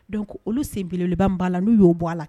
Donc olu sen belebeleba min b'ala la n'u y'o bɔ a la